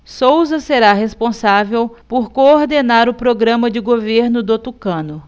souza será responsável por coordenar o programa de governo do tucano